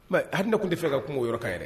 Mɛ ha ne tun tɛ fɛ ka kungo o yɔrɔ ka yɛrɛ